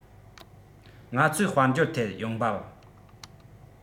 ང ཚོས དཔལ འབྱོར ཐད ཡོང འབབ